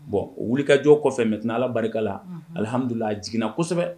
Bon o wulikajɔ kɔfɛ mɛ tɛna ala barika la alihamdulila jiginna kosɛbɛ